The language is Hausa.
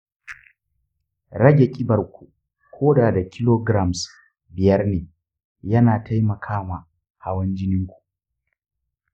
rage ƙibarku koda da kilograms biyar ne ya na taimakama hawan jininku